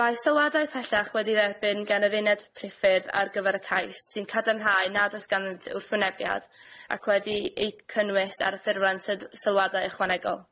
Mae sylwadau pellach wedi dderbyn gan yr Uned Priffyrdd ar gyfer y cais sy'n cadarnhau nad oes ganddynt wrthwynebiad, ac wedi eu cynnwys ar y ffurflen syl- sylwadau ychwanegol.